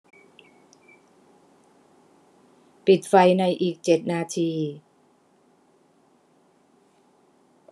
ปิดไฟในอีกเจ็ดนาที